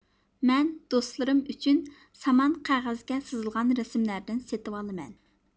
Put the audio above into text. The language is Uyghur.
مەن دوستلىرىم ئۈچۈن سامان قەغەزگە سىزىلغان رەسىملەردىن سېتىۋالىمەن